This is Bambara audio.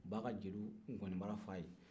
a ka jeliw bɛ nkɔnibara f'a ye